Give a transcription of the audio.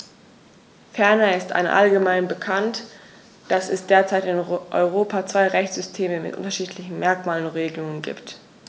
Ferner ist allgemein bekannt, dass es derzeit in Europa zwei Rechtssysteme mit unterschiedlichen Merkmalen und Regelungen gibt.